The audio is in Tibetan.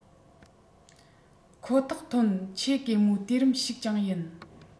ཁོ ཐག ཐོན ཆེ གེ མོས དུས རིམ ཞིག ཀྱང ཡིན